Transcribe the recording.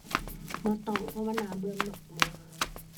บ่ต้อง เพราะว่าน่าเบื่อมากมาก